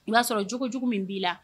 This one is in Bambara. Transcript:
O y'a sɔrɔ joogo jugu min b'i la